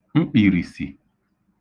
mkpìrìsì